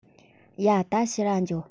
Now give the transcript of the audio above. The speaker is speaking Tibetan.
ཡ ད ཕྱིར ར འགྱོ